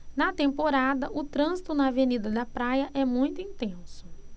na temporada o trânsito na avenida da praia é muito intenso